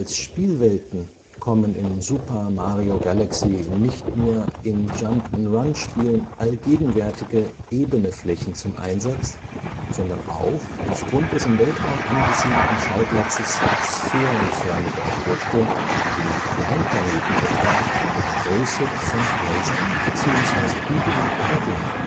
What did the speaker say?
Spielwelten kommen in Super Mario Galaxy nicht nur in Jump -’ n’ - Run-Spielen allgegenwärtige ebene Flächen zum Einsatz, sondern auch – aufgrund des im Weltraum angesiedelten Schauplatzes – sphärenförmige Objekte wie Kleinplaneten etwa in der Größe von Häusern beziehungsweise Hügeln oder kleiner